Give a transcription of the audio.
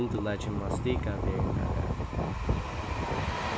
myndugleikin má stika vegirnar av